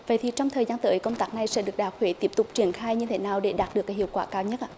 vậy thì trong thời gian tới công tác này sẽ được đặc huế tiếp tục triển khai như thế nào để đạt được hiệu quả cao nhất ạ